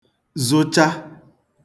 zụcha